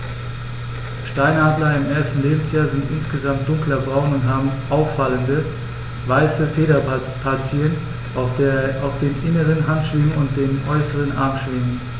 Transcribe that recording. Steinadler im ersten Lebensjahr sind insgesamt dunkler braun und haben auffallende, weiße Federpartien auf den inneren Handschwingen und den äußeren Armschwingen.